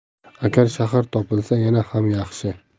agar shahar topilsa yana ham yaxshi